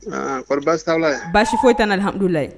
Aan kɔri baasi t'aw la ye baasi foyi t'an na alhamdulahi